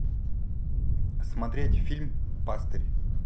смотреть фильм пастырь